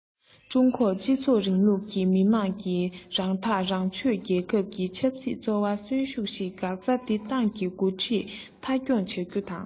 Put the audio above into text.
ཀྲུང གོར སྤྱི ཚོགས རིང ལུགས ཀྱི མི དམངས ཀྱིས རང ཐག རང གཅོད རྒྱལ ཁབ ཀྱི ཆབ སྲིད འཚོ བ གསོན ཤུགས ཀྱིས འགག རྩ དེ ཏང གི འགོ ཁྲིད མཐའ འཁྱོངས བྱ རྒྱུ དང